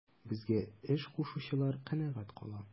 Безгә эш кушучылар канәгать кала.